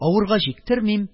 Авырга җиктермим,